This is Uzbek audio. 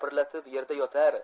oyoqlarini tipirlatib yerda yotar